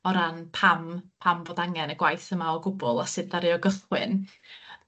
O ran pam pam fod angen y gwaith yma o gwbwl a sut ddaru o gychwyn.